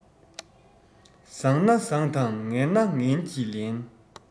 བཟང ན བཟང དང ངན ན ངན གྱིས ལན